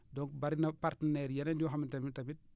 donc bari na partenaires yeneen yoo xamante ne tamit